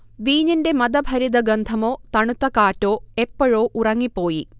വീഞ്ഞിന്റെ മദഭരിത ഗന്ധമോ, തണുത്ത കാറ്റോ, എപ്പോഴോ ഉറങ്ങിപ്പോയി